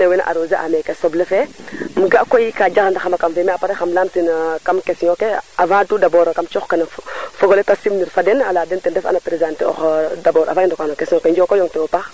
wene arroser a neke soble fe im ga koy ka jaxla ndaxama kam fe apres xam laam tin kam question ke avant tout dabord kam coox kan o fogole te sim nir fa den a leya den ten ref an a presenter oox d' abord avant i ndoka no question ke njoko yong o tewo paax